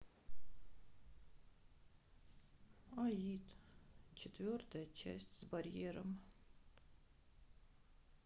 аид четвертая часть с барьером